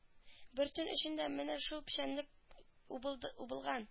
Бер төн эчендә менә шул печәнлек убылды убылган